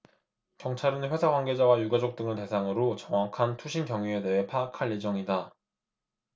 경찰은 회사 관계자와 유가족 등을 대상으로 정확한 투신 경위에 대해 파악할 예정이다